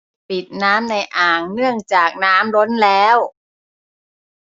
ปิดน้ำในอ่างเนื่องจากน้ำล้นแล้ว